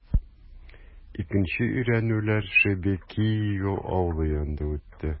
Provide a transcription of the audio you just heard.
Икенче өйрәнүләр Шебекиио авылы янында үтте.